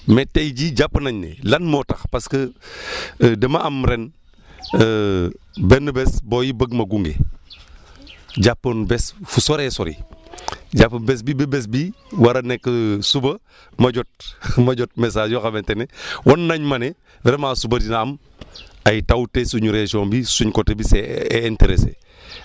mais tey jii jàpp nañ ne lan moo tax parce que dama am ren benn bés booy yi bëgg ma gunge jàppoon bés fu soree sori jàpp bés bi ba bés bi war a nekk suba ma jot ma jot message yoo xamante ne wan nañ ma ne vraiment suba dina am ay taw te suñu région bi suñ côté bi c' est est interessée